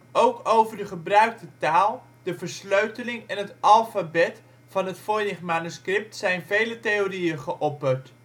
Ook over de gebruikte taal, de versleuteling en het alfabet van het Voynichmanuscript zijn vele theorieën geopperd